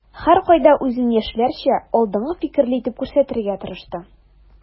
Һәркайда үзен яшьләрчә, алдынгы фикерле итеп күрсәтергә тырышты.